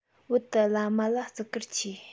བོད དུ བླ མ ལ བརྩི བཀུར ཆེ